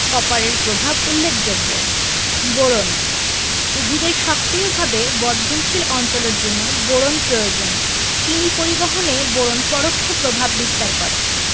কপারের প্রভাব উল্লেখযোগ্য বোরন উদ্ভিদের সক্রিয়ভাবে বর্ধনশীল অঞ্চলের জন্য বোরন প্রয়োজন চিনি পরিবহনে বোরন পরোক্ষ প্রভাব বিস্তার করে